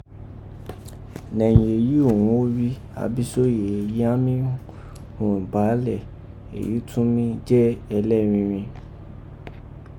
Nẹ̀yìn èyí òghun ó rí Abísóyè èyí án mí ghun Baálè èyí tọ́n mí jẹ́ ẹlẹ́rín rin.